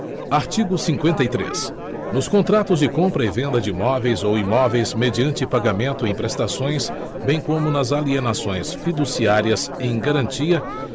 artigo cinquenta e três nos contratos de compra e venda de móveis ou imóveis mediante pagamento em prestações bem como nas alienações fiduciárias em garantia